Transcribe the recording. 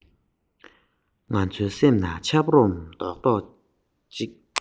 ང ཚོའི སེམས ན ཆབ རོམ རྡོག རྡོག གཅིག